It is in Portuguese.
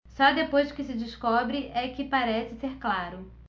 só depois que se descobre é que parece ser claro